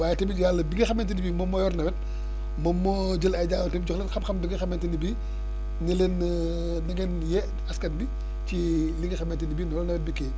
waaye tamit yàlla bi nga xamante ni bi moom moo yor nawet moom moo jël ay jaamam jox leen xam-xam bi nga xamante ne bii ne leen na ngeen yee askan bi ci li nga xamante ni bi noonu la nawet bi kii wee